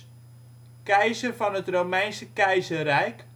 keizer van het Romeinse Keizerrijk